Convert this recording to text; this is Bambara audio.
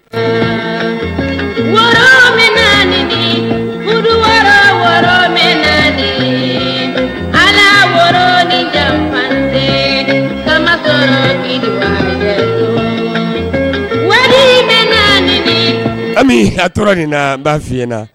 San woro min muru wɔɔrɔ wɔɔrɔ min ala wɔɔrɔin kɛ m san sɔrɔ wa wari bɛani ami atoin na baasi na